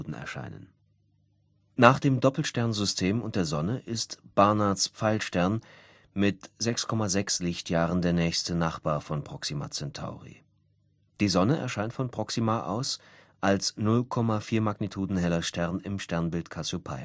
erscheinen. Nach dem Doppelsternsystem und der Sonne ist Barnards Pfeilstern mit 6,6 Lichtjahren der nächste Nachbar von Proxima Centauri. Die Sonne erscheint von Proxima aus als 0,4m heller Stern im Sternbild Kassiopeia